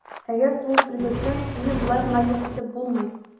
Әгәр туып өлгерсәң, сине болай гына юк итеп булмый.